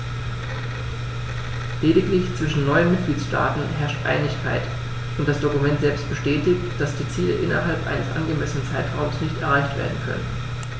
Lediglich zwischen neun Mitgliedsstaaten herrscht Einigkeit, und das Dokument selbst bestätigt, dass die Ziele innerhalb eines angemessenen Zeitraums nicht erreicht werden können.